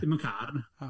Ddim yn car, na.